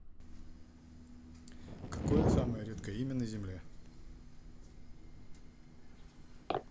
какое самое редкое имя на земле